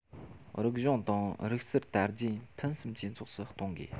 རིག གཞུང དང རིག རྩལ དར རྒྱས ཕུན སུམ ཇེ ཚོགས སུ གཏོང དགོས